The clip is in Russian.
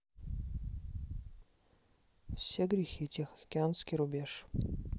все грехи тихоокеанский рубеж